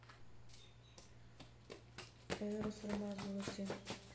эрос рамаззотти